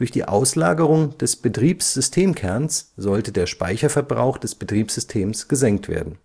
die Auslagerung des Betriebssystemkerns sollte der Speicherverbrauch des Betriebssystems gesenkt werden